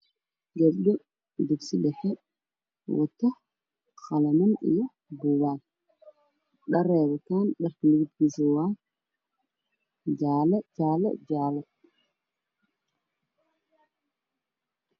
Waa iskuul xaafad iyo gabdho waxyaabataan dharjaalo cashra iyo qaryaan